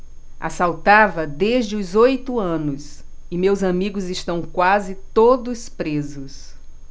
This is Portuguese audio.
assaltava desde os oito anos e meus amigos estão quase todos presos